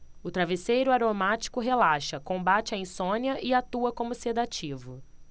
o travesseiro aromático relaxa combate a insônia e atua como sedativo